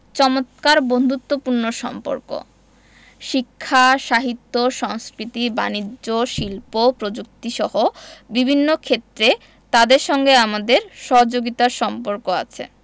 চমৎকার বন্ধুত্বপূর্ণ সম্পর্ক শিক্ষা সাহিত্য সংস্কৃতি বানিজ্য শিল্প প্রযুক্তিসহ বিভিন্ন ক্ষেত্রে তাদের সঙ্গে আমাদের সহযোগিতার সম্পর্ক আছে